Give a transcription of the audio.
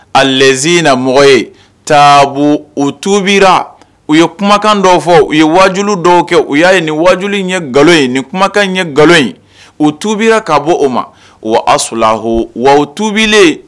A z na mɔgɔ ye taabolo u tubira u ye kumakan dɔw fɔ u ye waju dɔw kɛ u y'a ye nin wajuli ye nkalon in nin kumakan ɲɛ nkalon in u tubira ka bɔ o ma wa a sulah wa tuubilen